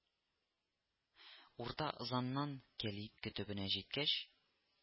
Урта ызаннан кәлиткә төбенә җиткәч